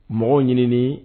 Mɔgɔw ɲini ni